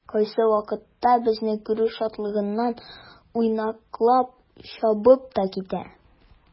Кайсы вакытта безне күрү шатлыгыннан уйнаклап чабып та китә.